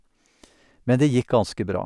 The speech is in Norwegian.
Men det gikk ganske bra.